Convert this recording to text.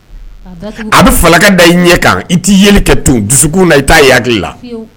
A bɛ fangagan da i ɲɛ kan i t i yeli kɛ to dusukun na i t taa a ya la